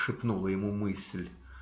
- шепнула ему мысль.